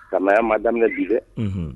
Kaya ma daminɛ di dɛ